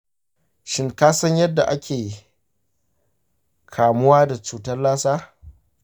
shin ka san yadda ake kamuwa da cutar lassa?